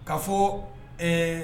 Ka fɔ